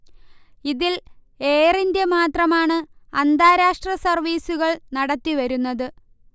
ഇതിൽ Air India മാത്രമാണ് അന്താരാഷ്ട്ര സർവീസുകൾ നടത്തി വരുന്നത്